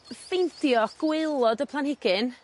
ffeindio gwaelod y planhigyn